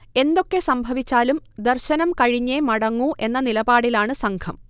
എന്തൊക്കെ സംഭവിച്ചാലും ദർശനം കഴിഞ്ഞേമടങ്ങൂ എന്ന നിലപാടിലാണ് സംഘം